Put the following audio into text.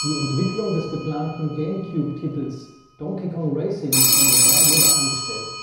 Entwicklung des geplanten GameCube-Titels Donkey Kong Racing von Rare wurde eingestellt